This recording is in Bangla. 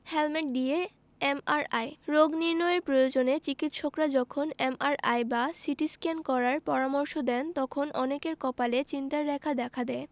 হেলমেট দিয়ে এমআরআই রোগ নির্নয়ের প্রয়োজনে চিকিত্সকরা যখন এমআরআই বা সিটিস্ক্যান করার পরামর্শ দেন তখন অনেকের কপালে চিন্তার রেখা দেখা দেয়